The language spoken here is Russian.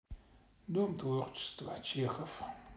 дом творчества чехов